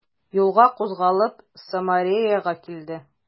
Юлга кузгалып, Самареяга килде.